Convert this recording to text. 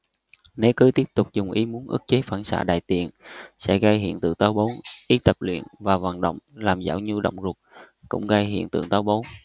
nếu cứ tiếp tục dùng ý muốn ức chế phản xạ đại tiện sẽ gây hiện tượng táo bón ít tập luyện và vận động làm giảm nhu động ruột cũng gây hiện tượng táo bón